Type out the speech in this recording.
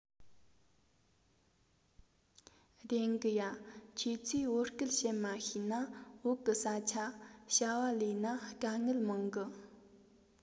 བདེན གི ཡ ཁྱོད ཚོས བོད སྐད བཤད མ ཤེས ན བོད གི ས ཆ བྱ བ ལས ན དཀའ ངལ མང གི